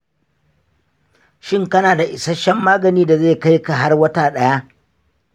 shin kana da isasshen magani da zai kaika har wata ɗaya?